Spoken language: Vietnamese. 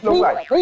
đúng rồi